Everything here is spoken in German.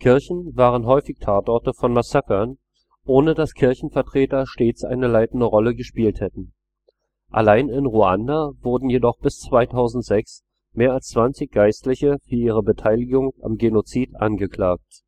Kirchen waren häufig Tatorte von Massakern, ohne dass Kirchenvertreter stets eine leitende Rolle gehabt hätten. Alleine in Ruanda wurden jedoch bis 2006 mehr als zwanzig Geistliche für ihre Beteiligung am Genozid angeklagt